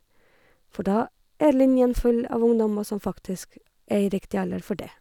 For da er linjen full av ungdommer som faktisk er i riktig alder for dét.